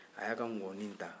a y'a ka ngɔni ta